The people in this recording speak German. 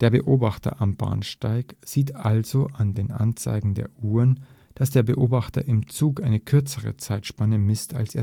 Beobachter am Bahnsteig sieht also an den Anzeigen der Uhren, dass der Beobachter im Zug eine kürzere Zeitspanne misst als